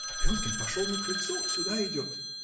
— Опенкин пошел на крыльцо, сюда идет.